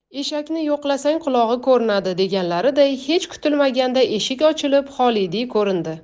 eshakni yo'qlasang qulog'i ko'rinadi deganlariday hech kutilmaganda eshik ochilib xolidiy ko'rindi